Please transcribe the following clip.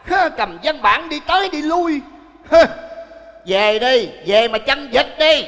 hớ cầm văn bản đi tới đi lui hơ về đi về mà chăn vịt đi